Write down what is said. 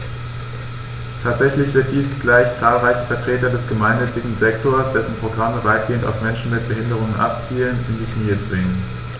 Tatsächlich wird dies gleich zahlreiche Vertreter des gemeinnützigen Sektors - dessen Programme weitgehend auf Menschen mit Behinderung abzielen - in die Knie zwingen.